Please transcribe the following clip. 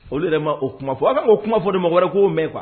O de yɛrɛ ma o kuma fɔ aw ka o kuma fɔ de ma wɛrɛ ko mɛn kuwa